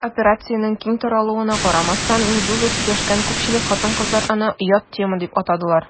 Бу операциянең киң таралуына карамастан, «Медуза» сөйләшкән күпчелек хатын-кызлар аны «оят тема» дип атадылар.